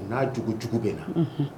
U n'a jogo jugu bɛ na.